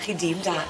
Chi'n dîm da.